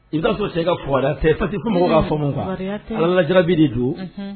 I'a sɔrɔ se ka fug'a fɔmu kan alalajabi de don